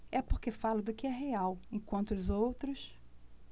é porque falo do que é real enquanto os outros